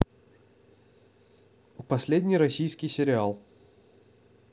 последний российский сериал